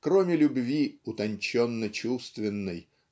кроме любви утонченно-чувственной